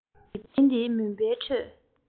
འཇིག རྟེན འདིའི མུན པའི ཁྲོད